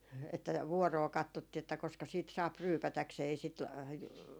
että vuoroon katsottiin että koska siitä saa ryypätäkseen ei sitä